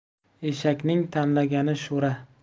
eshakning tanlagani sho'ra